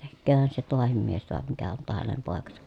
tekeehän se tuokin mies tuo mikä on tuo hänen poikansa